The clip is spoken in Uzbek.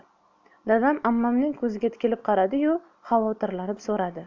dadam ammamning ko'ziga tikilib qaradiyu xavotirlanib so'radi